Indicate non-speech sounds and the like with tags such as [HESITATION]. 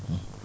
[HESITATION] [HESITATION]